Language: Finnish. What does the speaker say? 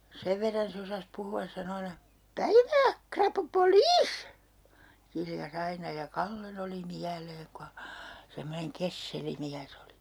sen verran se osasi puhua sanoi aina päivää rapupoliisi kiljaisi aina ja Kallen oli mieleen kun hän semmoinen kesseli mies oli